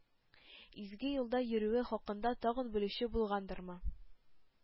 Изге юлда йөрүе хакында тагын белүче булгандырмы,